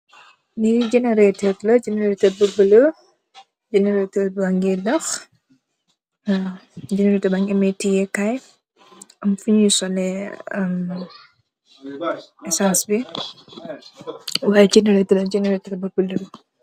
Lii jenerëëto la, jenerëëto bu buloo. jenerëëto bi baa ngi dox. Mu ngi amee tiyee kaay, am fi ñuy sollee isans bi. Waay jenerëëto la, jenerëëto bu buloo.